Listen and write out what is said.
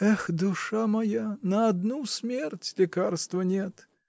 Эх, душа моя, на одну смерть лекарства нет!